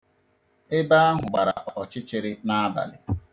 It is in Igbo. Ebe ahụ gbara ọchịrịchịrị n'abali.